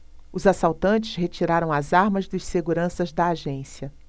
os assaltantes retiraram as armas dos seguranças da agência